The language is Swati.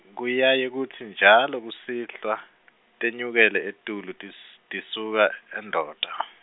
kuyaye kutsi njalo kusihlwa, tenyukele etulu tis- tisuka eNdonda.